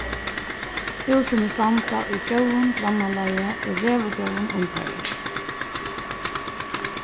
húsini standa í góðum grannalagi í veðurgóðum umhvørvi